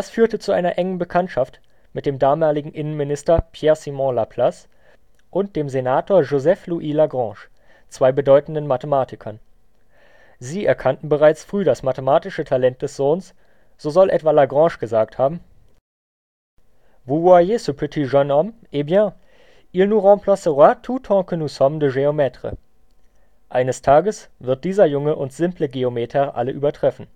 führte zu einer engen Bekanntschaft mit dem damaligen Innenminister Pierre-Simon Laplace und dem Senator Joseph-Louis Lagrange, zwei bedeutenden Mathematikern. Sie erkannten bereits früh das mathematische Talent des Sohns, so soll etwa Lagrange gesagt haben: Vous voyez ce petit jeune homme, eh bien! Il nous remplacera tous tant que nous sommes de géomètres („ Eines Tages wird dieser Junge uns simple Geometer alle übertreffen